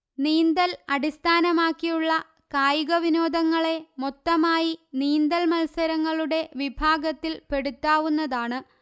നീന്തല് അടിസ്ഥാനമാക്കിയുള്ള കായിക വിനോദങ്ങളെ മൊത്തമായി നീന്തല് മത്സരങ്ങളുടെ വിഭാഗത്തില്പ്പെടുത്താവുന്നതാണ്